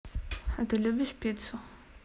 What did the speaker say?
а ты любишь пиццу